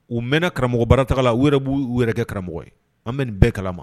U mɛna karamɔgɔbara taga la u yɛrɛ b'u yɛrɛ kɛ karamɔgɔ ye an bɛ nin bɛɛ kalama.